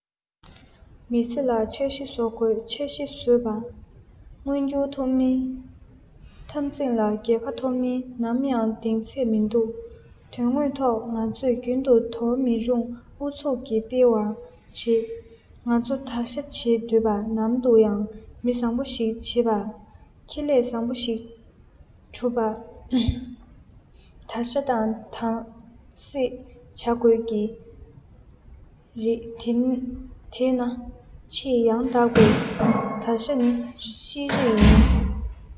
མི ཚེ ལ འཆར གཞི བཟོ དགོས འཆར གཞི བཟོས བ མངོན འགྱུར ཐུབ མིན འཐབ འཛིང ལ རྒྱལ ཁ ཐོབ མིན ནམ ཡང གདེང ཚད མིན འདུག དོན དངོས ཐོག ང ཚོས རྒྱུན དུ འདོར མི རུང ཨུ ཚུགས ཀྱིས སྤེལ བར བྱེད ང ཚོས བདར ཤ བྱེད འདོད པ ནམ དུ ཡང མི བཟང བོ ཞིག བྱེད པ ཁེ ལས བཟང བོ ཞིག བསྒྲུབ པ བདར ཤ དང གདམ གསེས བྱ དགོས ཀྱི རེད དེས ན ཆེས ཡང དག པའི བདར ཤ ནི ཤེས རིག ཡིན